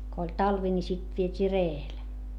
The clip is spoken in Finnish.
kun oli talvi niin sitten vietiin reellä